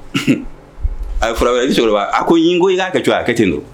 A ye fura wɛrɛ ɲini cɛkɔrɔba la. A ko ni ko i ka kɛ cogo min a kɛ ten. dɔrɔn